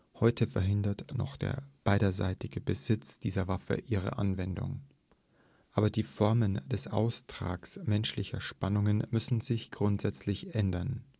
Heute verhindert noch der beiderseitige Besitz dieser Waffe ihre Anwendung. Aber die Formen des Austrags menschlicher Spannungen müssen sich grundsätzlich ändern